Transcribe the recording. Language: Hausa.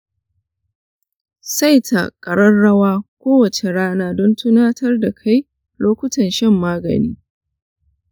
saita ƙararrawa kowace rana don tunatar da kai lokutan shan magani.